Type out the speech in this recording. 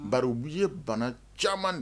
Bari u b'i ye bana caman